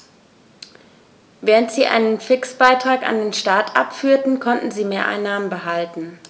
Während sie einen Fixbetrag an den Staat abführten, konnten sie Mehreinnahmen behalten.